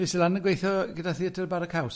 Fues i lan yn gweithio gyda theatr Bara Caws.